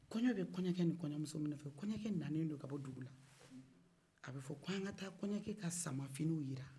kɔɲɔ bɛ kɔɲɔkɛ ni kɔɲɔmuso min nɔfɛ kɔɲɔkɛ nalen bɛ ka bɔ dugu la a bɛ fɔ k'an ka taa kɔɲɔkɛ ka sama finiw jira